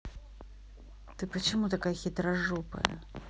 ты почему такая хитрожопая